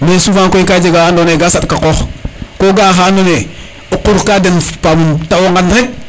mais souvent koy ka jega wa ando naye nga saɗ ka qox ko ga'aa xa ando naye o qur ka den pamum te wongan rek